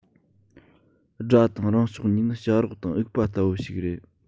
དགྲ དང རང ཕྱོགས གཉིས ནི བྱ རོག དང འུག པ ལྟ བུ ཞིག རེད